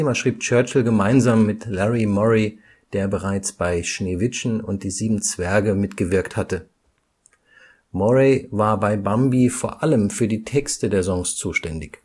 schrieb Churchill gemeinsam mit Larry Morey, der bereits bei Schneewittchen und die sieben Zwerge mitgewirkt hatte. Morey war bei Bambi vor allem für die Texte der Songs zuständig